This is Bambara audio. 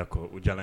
U jan